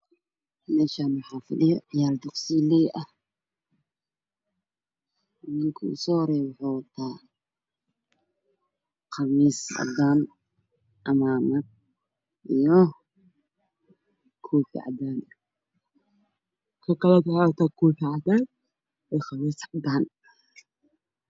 Meeshaan waxaa fadhiyo ciyaal dugsiiley ah ninka usoo horeeyo wuxuu wataa qamiis cadaan ah cimaamad iyo koofi cadaan ah kan kalana wuxuu wataa koofi cadaan iyo qamiis cadaan